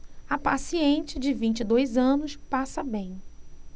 a paciente de vinte e dois anos passa bem